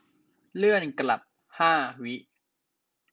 เลื่อนกลับห้าวิ